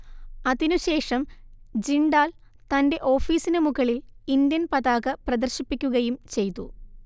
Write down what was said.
അതിനു ശേഷം ജിണ്ടാൽ തന്റെ ഓഫീസിനു മുകളിൽ ഇന്ത്യൻ പതാക പ്രദർശിപ്പിക്കുകയും ചെയ്തു